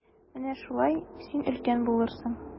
Менә шулай, син өлкән булырсың.